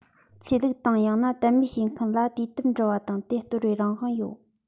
ཆོས ལུགས དང ཡང ན དད མོས བྱེད མཁན ལ དུས དེབ འབྲི བ དང དེ གཏོར བའི རང དབང ཡོད